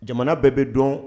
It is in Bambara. Jamana bɛɛ bɛ dɔn